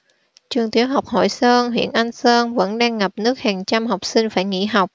trường tiểu học hội sơn huyện anh sơn vẫn đang ngập nước hàng trăm học sinh phải nghỉ học